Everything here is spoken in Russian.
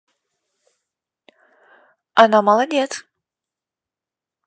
она молодец